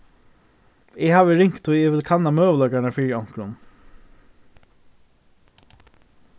eg havi ringt tí eg vil kanna møguleikarnar fyri onkrum